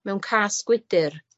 mewn cas gwydyr.